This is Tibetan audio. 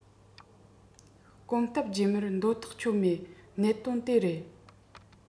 གོམ སྟབས རྗེས མར འདོད ཐག ཆོད མེད གནད དོན དེ རེད